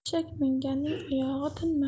eshak minganning oyog'i tinmas